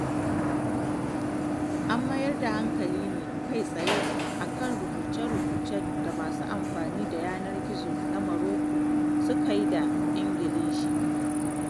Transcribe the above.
An mayar da hankali ne kai-tsaye a kan rubuce-rubucen da masu amfani da yanar gizo na Morocco suka yi da Ingilishi.